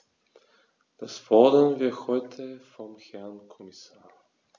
Das fordern wir heute vom Herrn Kommissar.